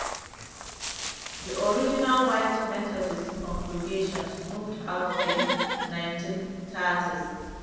The original white Methodist congregation moved out in the 1930s.